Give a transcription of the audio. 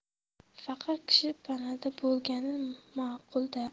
faqir kishi panada bo'lgani ma'qul da